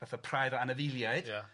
Fatha praidd o anafiliaid. Ia.